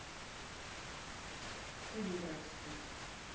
toni braxton